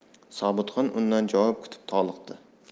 sobitxon undan javob kutib toliqdi